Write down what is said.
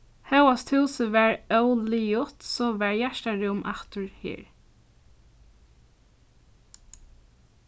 hóast húsið var óliðugt so var hjartarúm aftur her